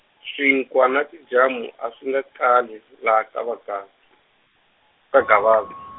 swinkwa na tijamu a swi nga kali laha kava Gaza- ka Gavaza.